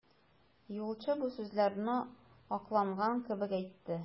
Юлчы бу сүзләрне акланган кебек әйтте.